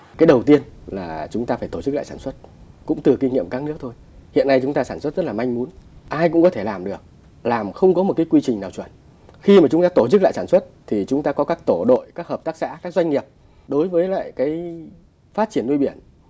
cái đầu tiên là chúng ta phải tổ chức lại sản xuất cũng từ kinh nghiệm các nước thôi hiện nay chúng ta sản xuất rất là manh mún ai cũng có thể làm được làm không có một cái quy trình nào chuẩn khi mà chúng ta tổ chức lại sản xuất thì chúng ta có các tổ đội các hợp tác xã các doanh nghiệp đối với lại cái phát triển nuôi biển